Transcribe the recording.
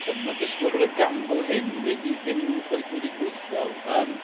t'wod ma'n disgwl bod y gamble hyn wedi ddim cweit wedi gwitho yym.